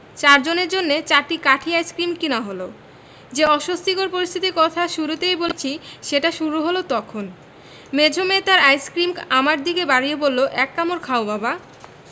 চারজনের জন্যে চারটি কাঠি আইসক্রিম কিনা হল যে অস্বস্তিকর পরিস্থিতির কথা শুরুতে বলেছি সেটা শুরু হল তখন মেজো মেয়ে তার আইসক্রিম আমার দিকে বাড়িয়ে বলল এক কামড় খাও বাবা